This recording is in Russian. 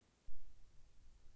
нам некуда спешить